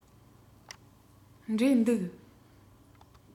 འབྲས འདུག